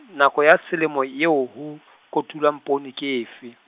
nako ya selemo eo ho, kotulwang poone ke efe?